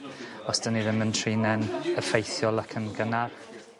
Os 'dyn ni ddim yn trin e'n effeithiol ac yn gynnar.